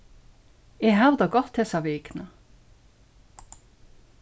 eg havi tað gott hesa vikuna